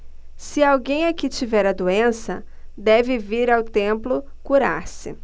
se alguém aqui tiver a doença deve vir ao templo curar-se